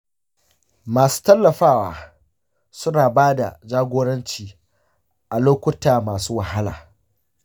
masu tallafawa suna ba da jagoranci a lokuta masu wahala.